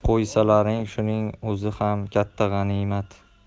qo'ysalaring shuning o'zi ham katta g'animat